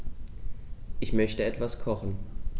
Ich möchte etwas kochen.